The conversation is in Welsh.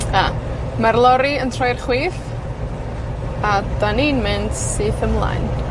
Ah, ma'r lori yn troi i'r chwith, a 'dan ni'n mynd sydd ymlaen.